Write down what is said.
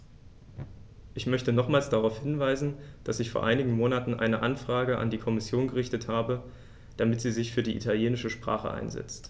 Ich möchte nochmals darauf hinweisen, dass ich vor einigen Monaten eine Anfrage an die Kommission gerichtet habe, damit sie sich für die italienische Sprache einsetzt.